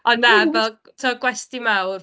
Ond na... M-hm! ...fel, g- tibod gwesty mawr.